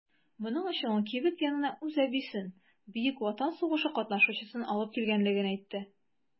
Моның өчен ул кибет янына үз әбисен - Бөек Ватан сугышы катнашучысын алып килгәнлеген әйтте.